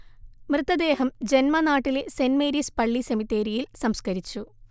മൃതദേഹം ജന്മനാട്ടിലെ Saint Mary's പള്ളി സെമിത്തേരിയിൽ സംസ്കരിച്ചു